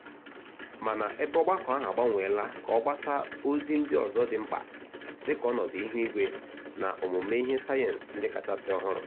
Mana ebe ọgbakọ ahụ agbanwela ka o gbasa ozi ndị ọzọ dị mkpa, dị ka ọnọdụ ihu igwe na omume ihe sayensị ndị kachasị ọhụrụ.